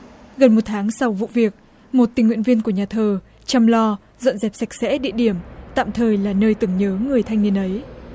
gần một tháng sau vụ việc một tình nguyện viên của nhà thờ chăm lo dọn dẹp sạch sẽ địa điểm tạm thời là nơi tưởng nhớ người thanh niên ấy